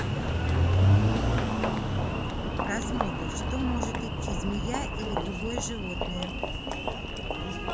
просмотр что может идти змея или другое животное